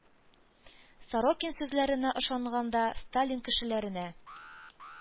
Осокин сүзләренә ышанганда, Сталин кешеләренә,